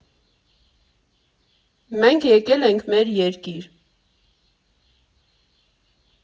֊ Մենք եկել ենք մեր երկիր։